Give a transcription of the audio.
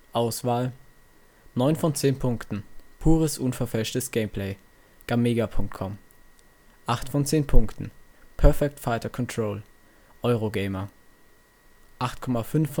Auswahl: 9/10 Punkten: pures unverfälschtes Gameplay - Gamega.com 8/10 Punkten: perfect fighter control - Eurogamer 8,5/10